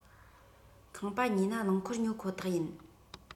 ཁང པ ཉོས ན རླངས འཁོར ཉོ ཁོ ཐག ཡིན